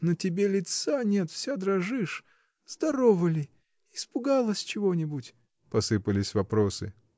На тебе лица нет: вся дрожишь? Здорова ли? Испугалась чего-нибудь? — посыпались вопросы.